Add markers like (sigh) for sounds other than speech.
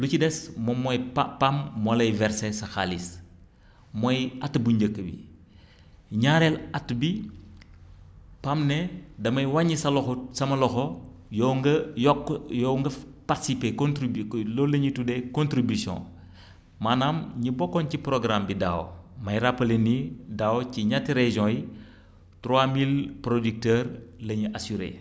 lu ci des moom mooy Pa PAM moo lay versé sa xaalis mooy at bu njëkk bi (breath) ñaareel at bi PAM ne damay wàññi sa loxo sama loxo yow nga yokk yow nga participé contribué kay loolu la ñuy tuddee contribution (breath) maanaam ñi bokkoon ci programme bi daaw may rappelé ni daaw ci ñetti régions yi (breath) trois mille producteurs la ñu assurées